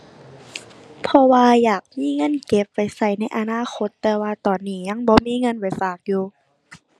เพราะว่าอยากมีเงินเก็บไว้ใช้ในอนาคต แต่ว่าตอนนี้ยังบ่มีเงินไปฝากอยู่